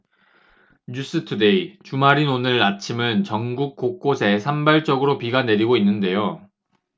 뉴스투데이 주말인 오늘 아침은 전국 곳곳에 산발적으로 비가 내리고 있는데요